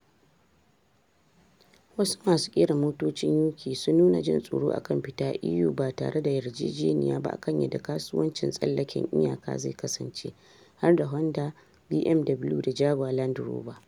Wasu masu kera motocin UK sun nuna jin tsoro akan fita EU ba tare da yarjejniya ba akan yadda kasuwancin tsallaken iyaka zai kasance, har da Honda, BMW da Jaguar Land Rover.